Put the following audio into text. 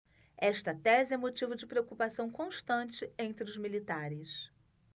esta tese é motivo de preocupação constante entre os militares